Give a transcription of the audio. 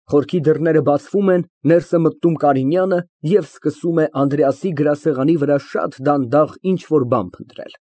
Խորքի դռները բացվում են, ներս է մտնում Կարինյանը և սկսում է Անդրեասի գրասեղանի վրա շատ դանդաղ ինչ֊որ փնտրել։